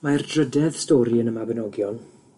Mae'r drydedd stori yn y Mabinogion